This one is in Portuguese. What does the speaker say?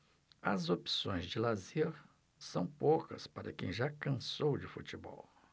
as opções de lazer são poucas para quem já cansou de futebol